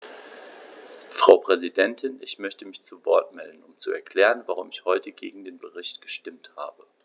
Frau Präsidentin, ich möchte mich zu Wort melden, um zu erklären, warum ich heute gegen den Bericht gestimmt habe.